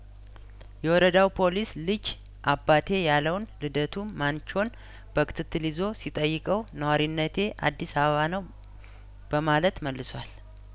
የወረዳው ፖሊስ ልጅ አባቴ ያለውን ልደቱ ማንቾን በክትትል ይዞ ሲጠይቀው ነዋሪነቴ አዲስ አበባ ነው በማለት መልሷል